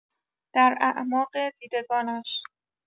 در اعماق دیدگانش